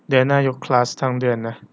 เดือนหน้ายกคลาสทั้งเดือนนะ